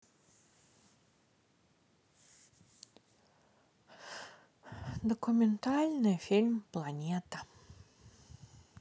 документальный фильм планета